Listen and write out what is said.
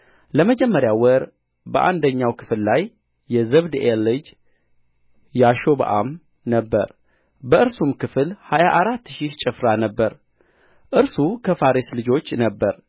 ለመጀመሪያው ወር በአንደኛው ክፍል ላይ የዘብድኤል ልጅ ያሾብዓም ነበረ በእርሱም ክፍል ሀያ አራት ሺህ ጭፍራ ነበረ እርሱ ከፋሬስ ልጆች ነበረ